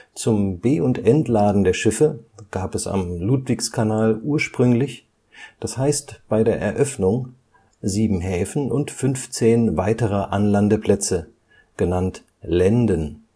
Zum Be - und Entladen der Schiffe gab es am Ludwigskanal ursprünglich, das heißt bei der Eröffnung, 7 Häfen und 15 weitere Anlandeplätze, genannt Länden